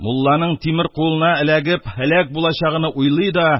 Мулланың тимер кулына эләгеп, һәлак булачагыны уйлый да